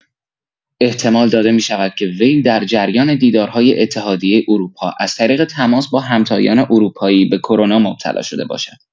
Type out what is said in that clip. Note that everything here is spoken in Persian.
احتمال داده می‌شود که وی در جریان دیدارهای اتحادیه اروپا از طریق تماس با همتایان اروپایی به کرونا مبتلا شده باشد.